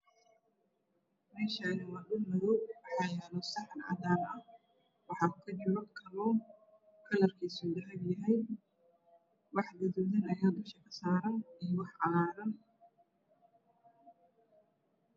Meeshaani waa dhul madow waxaa yaalo saxan cadaan ah waxaa ku jiro kaluun kalarkiisa uu dahabi yahay wax gaduudan ayaa dusha ka saaran iyo wax cagaaran